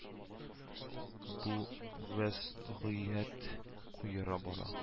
Бу вәзгыять куера бара